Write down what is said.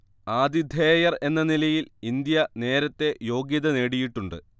ആതിഥേയർ എന്ന നിലയിൽ ഇന്ത്യ നേരത്തെ യോഗ്യത നേടിയിട്ടുണ്ട്